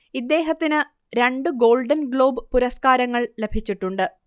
ഇദ്ദേഹത്തിന് രണ്ട് Golden Globe പുരസകാരങ്ങൾ ലഭിച്ചിട്ടുണ്ട്